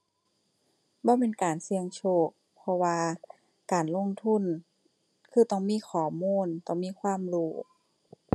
บ่แม่นการเสี่ยงโชค เพราะว่าการลงทุนคือต้องมีข้อมูล ต้องมีความรู้